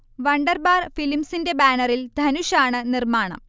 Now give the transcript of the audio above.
Wunderbar ഫിലിംസിൻെറ ബാനറിൽ ധനുഷ് ആണ് നിർമ്മാണം